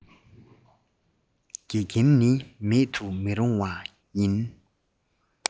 དགེ རྒན ནི མེད དུ མི རུང བ ཡིན